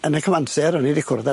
Yn y cyfanser o'n i 'di cwrdd â...